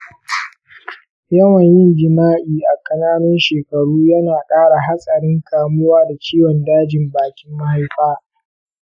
yawan yin jima'i a kananun shekaru yana kara hatsarin kamuwa da ciwon dajin bakin mahaifa.